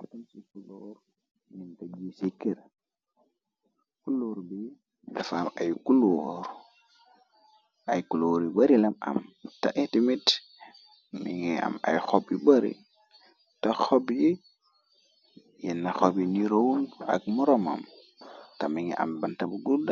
atam ci kuloor nim tëg yi ci kër kuluur bi bafa am ay kuloor yu barilam am te iti mit mi ngi am ay xob yu bari te xob yi yenn xob yi nu rowun ak moramam te mi ngi am bant b gdd